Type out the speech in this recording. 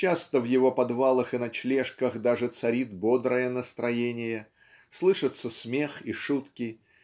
Часто в его подвалах и ночлежках даже царит бодрое настроение слышатся смех и шутки